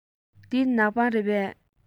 འདི ནག པང རེད པས